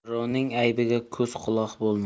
birovning aybiga ko'z quloq bo'lma